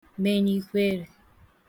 menyi ikwerē